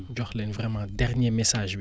jox leen vraiment dernier message bi